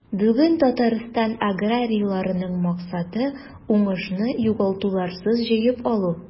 Бүген Татарстан аграрийларының максаты – уңышны югалтуларсыз җыеп алу.